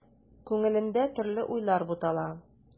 Күңелендә төрле уйлар бутала.